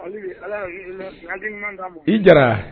I diyara